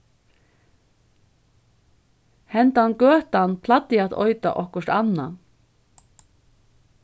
hendan gøtan plagdi at eita okkurt annað